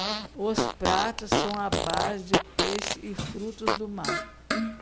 os pratos são à base de peixe e frutos do mar